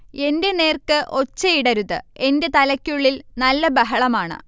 എന്റെ നേർക്ക്ഒച്ചയിടരുത് എന്റെ തലയ്ക്കുള്ളിൽ നല്ല ബഹളമാണ്